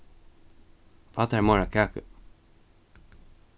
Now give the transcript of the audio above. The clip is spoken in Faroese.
fá tær meira kaku